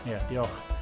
Ie, diolch.